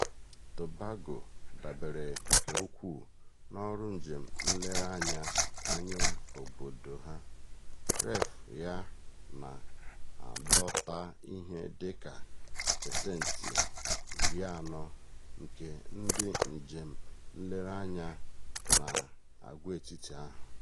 Tobago dabere nke ukwuu n'ọrụ njem nlereanya anya obodo ha; Reef ya na-adọta ihe dị ka pasenti 40 nke ndị njem nlereanya n'àgwàetiti ahụ.